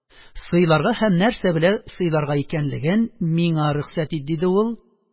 – сыйларга һәм нәрсә белән сыйларга икәнлеген миңа рөхсәт ит, – диде ул